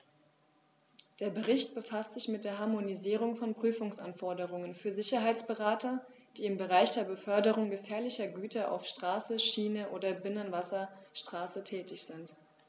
Der Bericht befasst sich mit der Harmonisierung von Prüfungsanforderungen für Sicherheitsberater, die im Bereich der Beförderung gefährlicher Güter auf Straße, Schiene oder Binnenwasserstraße tätig sind.